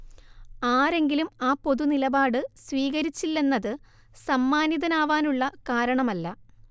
ആരെങ്കിലും ആ പൊതുനിലപാട് സ്വീകരിച്ചില്ലെന്നത് സമ്മാനിതനാവാനുള്ള കാരണമല്ല